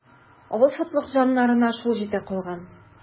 Авыл сатлыкҗаннарына шул җитә калган.